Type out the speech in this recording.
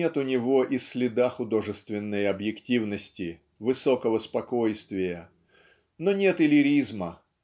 нет у него и следа художественной объективности высокого спокойствия но нет и лиризма